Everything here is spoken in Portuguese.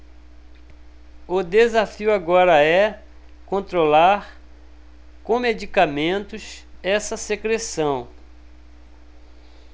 o desafio agora é controlar com medicamentos essa secreção